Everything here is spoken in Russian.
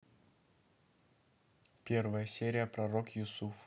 первая серия пророк юсуф